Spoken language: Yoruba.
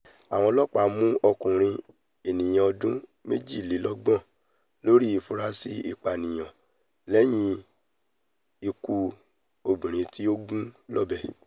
Àwọn ọlọ́ọ̀pá mú ọkùnrin, ẹni ọdùn méjìlélọ́gbọ̀n, lórí ìfurasí ìpànìyàn lẹ́yín ikú obìnrin tí a gún lọ́bẹ